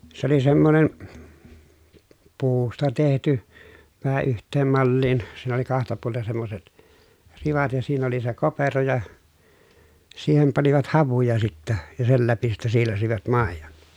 se oli semmoinen puusta tehty vähän yhteen malliin siinä oli kahta puolen semmoiset rivat ja siinä oli se kopero ja siihen panivat havuja sitten ja sen läpi sitten siilasivat maidon